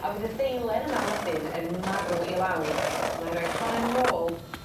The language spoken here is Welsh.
A fydd y deilen yma wedyn yn marw i lawr on' 'nai roi honna nôl